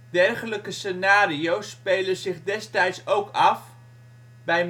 Dergelijke scenario 's spelen zich destijds ook af bij